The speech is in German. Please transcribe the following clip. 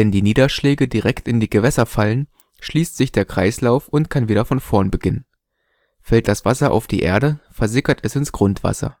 die Niederschläge direkt in die Gewässer fallen, schließt sich der Kreislauf und kann wieder von vorn beginnen. Fällt das Wasser auf die Erde, versickert es ins Grundwasser